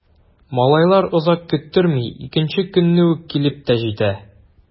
Малайлар озак көттерми— икенче көнне үк килеп тә җитә.